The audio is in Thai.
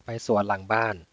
ไปสวนหลังบ้าน